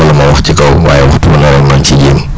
wala ma wax ci kaw waaye waxtu wu ne rek maa ngi ciy jéem